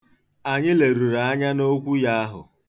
Anyị leruru anya n'okwu ya ahụ.